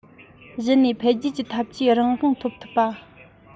གཞི ནས འཕེལ རྒྱས ཀྱི འཐབ ཇུས རང དབང འཐོབ ཐུབ པ